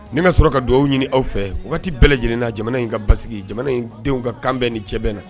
Ni ka sɔrɔ ka duwɔwu ɲini aw fɛ waati bɛɛ lajɛlen na jamana in ka basigi jamana in denw ka kanbɛn ni cɛ bɛn na